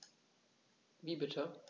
Wie bitte?